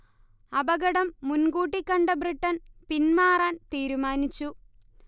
അപകടം മുൻകൂട്ടി കണ്ട ബ്രിട്ടൻ പിന്മാറാൻ തീരുമാനിച്ചു